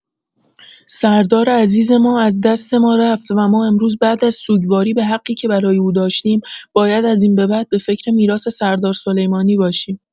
سردار عزیز ما از دست ما رفت و ما امروز بعد از سوگواری به حقی که برای او داشتیم، باید از این به بعد به فکر میراث سردار سلیمانی باشیم.